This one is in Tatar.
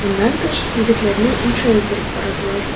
Моннан тыш егетләрне инша яздырып карадылар.